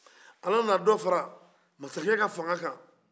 ala nana dɔ fara masakɛ ka fanga kan